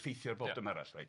effeithio ar bob dim arall reit.